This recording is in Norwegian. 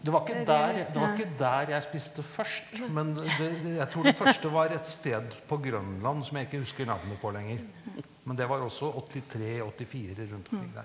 det var ikke der det var ikke der jeg spiste først, men det det jeg tror det første var et sted på Grønland som jeg ikke husker navnet på lenger, men det var også 83 84 rundt omkring der.